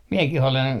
minäkin olen